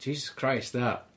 Jesus Christ, na!